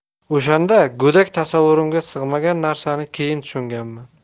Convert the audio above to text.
o'shanda go'dak tasavvurimga sig'magan narsani keyin tushunganman